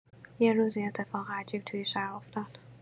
یه روز، یه اتفاق عجیب توی شهر افتاد.